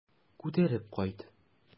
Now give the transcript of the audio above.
Күтәреп кайт.